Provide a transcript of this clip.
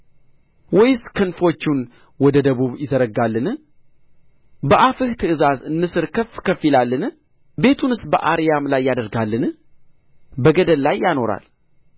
ወይስ ክንፎቹን ወደ ደቡብ ይዘረጋልን በአፍህ ትእዛዝ ንስር ከፍ ከፍ ይላልን ቤቱንስ በአርያም ላይ ያደርጋልን በገደል ላይ ይኖራል